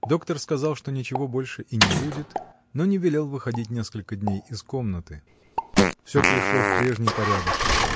Доктор сказал, что ничего больше и не будет, но не велел выходить несколько дней из комнаты. Всё пришло в прежний порядок.